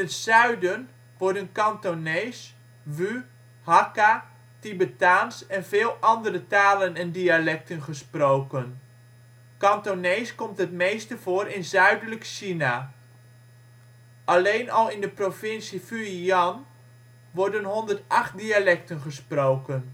zuiden worden Kantonees, Wu, Hakka, Tibetaans en veel andere talen/dialecten gesproken. Kantonees komt het meeste voor in zuidelijk China. Zie ook: Chinese talen. Alleen al in de provincie Fujian worden 108 dialecten gesproken